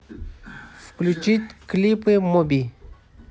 включить клипы моби